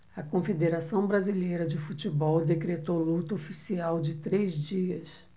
a confederação brasileira de futebol decretou luto oficial de três dias